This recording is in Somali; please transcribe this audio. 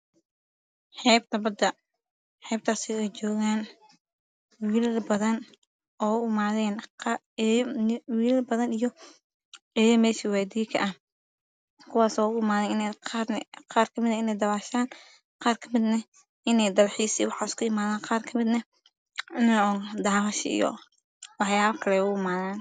Xeebta bada xebtasoo jogaan wiilal badn oo u imadeen qaar wilal badn iyo eyo mesha wardiyo ka ah kuwasoo u imaden qar kan mid ah inee dabashaan qar kamid ehna imee dalxisyo iyo waxas u imadan qar kamid ehne inee oo dawasho iyo waxyabo kale ee u imadaan